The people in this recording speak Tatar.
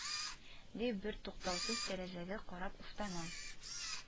Дип бер туктаусыз тәрәзәгә карап уфтана